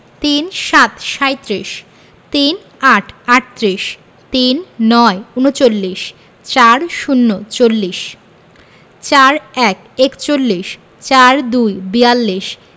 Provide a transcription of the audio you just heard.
৩৭ - সাঁইত্রিশ ৩৮ - আটত্রিশ ৩৯ - ঊনচল্লিশ ৪০ - চল্লিশ ৪১ - একচল্লিশ ৪২ - বিয়াল্লিশ